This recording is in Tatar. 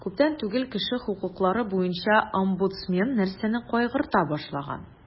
Күптән түгел кеше хокуклары буенча омбудсмен нәрсәне кайгырта башлаган?